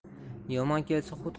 yomon kelsa hut